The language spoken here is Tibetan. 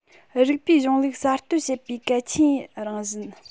རིགས པའི གཞུང ལུགས གསར གཏོད བྱེད པའི གལ ཆེའི རང བཞིན